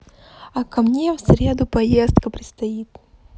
а ко мне в среду поездка предстоит